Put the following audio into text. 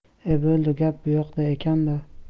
e bo'ldi gap buyoqda ekan da